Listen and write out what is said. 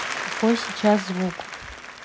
какой сейчас звук